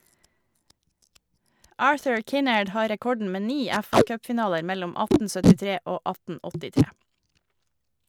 Arthur Kinnaird har rekorden med ni FA-cupfinaler mellom 1873 og 1883.